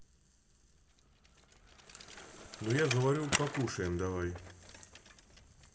ну я говорю покушаем давай